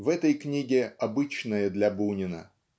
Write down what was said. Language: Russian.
В этой книге - обычное для Бунина.